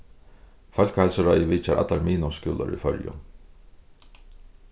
fólkaheilsuráðið vitjar allar miðnámsskúlar í føroyum